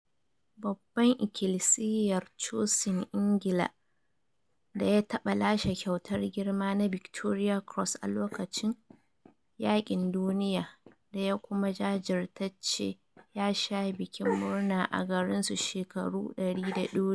Babban ikilisiyar chocin ingila daya taba lashe kyautar girma na Victoria cross a lokacin yakin duniya Daya kuma jajirtacce ya sha bikin murna a garin su shekaru 100 da doriya.